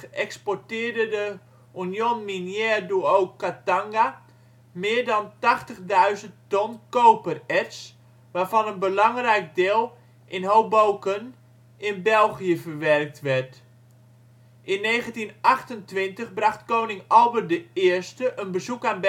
exporteerde de Union Minière du Haut Katanga meer dan 80.000 ton kopererts, waarvan een belangrijk deel in Hoboken in België verwerkt werd). In 1928 bracht koning Albert I een bezoek aan